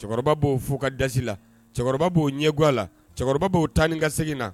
Cɛkɔrɔba b'o fukadasi la cɛkɔrɔba b'o ɲɛguwa la cɛkɔrɔba b'o taanin ka segin na